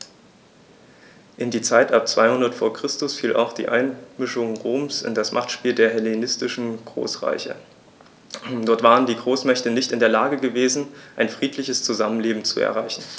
In die Zeit ab 200 v. Chr. fiel auch die Einmischung Roms in das Machtspiel der hellenistischen Großreiche: Dort waren die Großmächte nicht in der Lage gewesen, ein friedliches Zusammenleben zu erreichen.